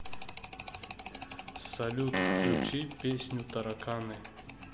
салют включи песню тараканы